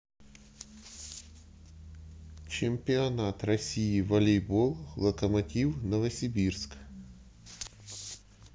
чемпионат россии волейбол локомотив новосибирск